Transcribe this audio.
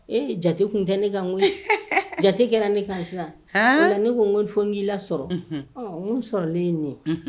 Ee jate kun tɛ ne ka jate kɛra ne ka sisan ne ko nko fo n k'i la sɔrɔ sɔrɔlen ye ni ye.